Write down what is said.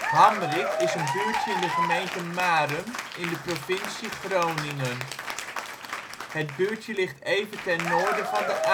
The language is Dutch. Hamrik is een buurtje in de gemeente Marum in de provincie Groningen. Het buurtje ligt even ten noorden van de A7